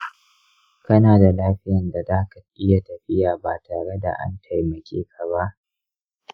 kana da lafiyan da daka iya tafiya ba tareda an taimakeka ba?